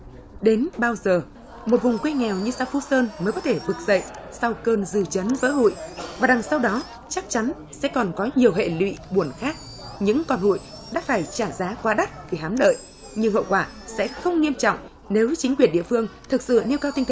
đến bao giờ một vùng quê nghèo như xã phúc sơn mới có thể vực dậy sau cơn dư chấn vỡ hụi và đằng sau đó chắc chắn sẽ còn có nhiều hệ lụy buồn khác những con hụi đã phải trả giá quá đắt vì hám lợi nhưng hậu quả sẽ không nghiêm trọng nếu chính quyền địa phương thực sự nêu cao tinh